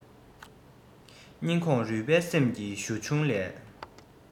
སྙིང ཁོངས རུས པའི སེམས ཀྱི གཞུ ཆུང ལས